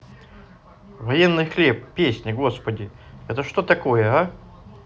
военный хлеб песня господи это что такое а